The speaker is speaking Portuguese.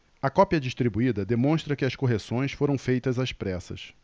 a cópia distribuída demonstra que as correções foram feitas às pressas